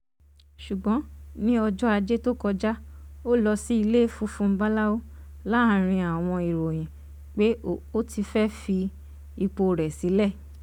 Ṣùgbọ́n ní ọjọ́ ajé tó kọjá ó lọ sí Ilé Funfun Bbáláú, láàrin àwọn ìròyìn pé ó tí fẹ́ kswé fi ipò rẹ̀ sílẹ̀